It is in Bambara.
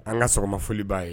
An ka sɔgɔma foli b'a ye